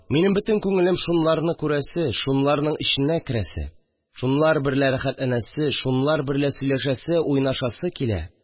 Минем бөтен күңелем шуларны күрәсе, шуларның эченә керәсе, шулар берлә рәхәтләнәсе, шулар берлә сөйләшәсе, уйнашасы килә